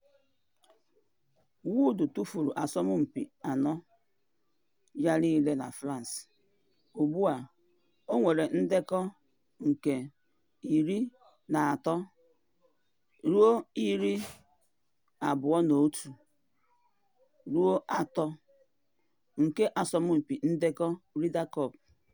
Wood tufuru asọmpi anọ ya niile na France, ugbu a ọ nwere ndekọ nke 13-21-3 nke asọmpi ndekọ Ryder Cup.